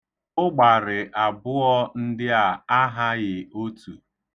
Ụgbarị abụọ ndị a ahaghị otu.